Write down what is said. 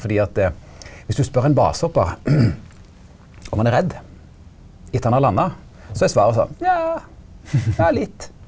fordi at viss du spør ein basehoppar om han er redd etter han har landa, så er svaret sånn ja ja litt.